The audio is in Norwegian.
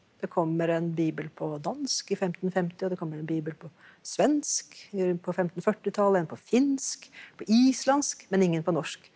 det kommer en bibel på dansk i 1550 og det kommer en bibel på svensk rundt på femtenførtitallet, en på finsk, på islandsk, men ingen på norsk.